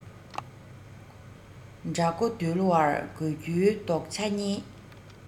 དགྲ མགོ འདུལ བར དགོས རྒྱུའི དགོས ཆ གཉིས